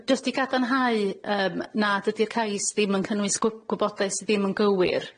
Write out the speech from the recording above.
Jyst i gadarnhau yym nad ydi'r cais ddim yn cynnwys gwy- gwybodaeth sy ddim yn gywir,